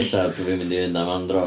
Ella, bo' fi'n mynd i fynd am "Am Dro".